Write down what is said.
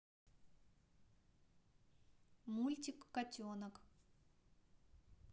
мультик котенок